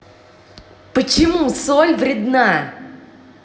почему соль вредна